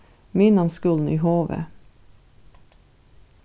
miðnámsskúlin í hovi